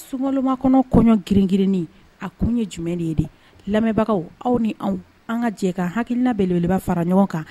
Suŋalomakɔnɔ kɔɲɔ grin-girin ni a kun ye jumɛn de ye de lamɛbagaw aw ni anw an ŋa jɛ ka hakiina belebeleba fara ɲɔgɔn kan